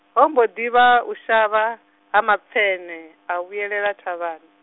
ho mbo ḓi vha u shavha, ha mapfeṋe, a vhuelela thavhani.